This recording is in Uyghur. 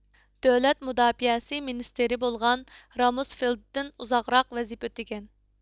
دۆلەت مۇداپىئەسى مىنىستىرى بولغان راموسفېلېددىن ئۇزاقراق ۋەزىپە ئۆتىگەن